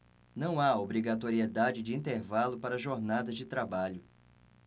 não há obrigatoriedade de intervalo para jornadas de trabalho